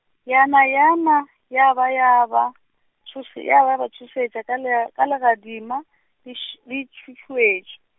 yana yana, ya ba ya ba , tšhoše, ya ba ba tšhošetša ka lega-, ka legadima, le š-, le .